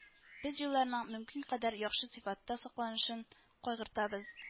Без юлларның мөмкин кадәр яхшы сыйфатта сакланылышын кайгыртабыз